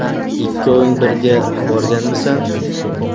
ikkoving birga borganmisan